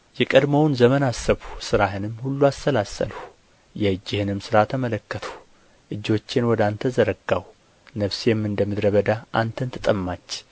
የቀድሞውን ዘመን አሰብሁ ሥራህንም ሁሉ አሰላሰልሁ የእጅህንም ሥራ ተመለከትሁ እጆቼን ወደ አንተ ዘረጋሁ ነፍሴም እንደ ምድረ በዳ አንተን ተጠማች